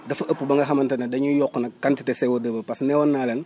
dafa ëpp ba nga xamante ne dañuy yokk nag quantité CO2 bi parce que ne woon naa leen